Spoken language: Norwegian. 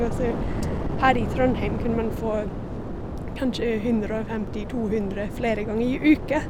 Og så her i Trondheim kunne man få kanskje hundre og femti to hundre flere ganger i uke.